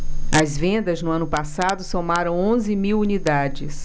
as vendas no ano passado somaram onze mil unidades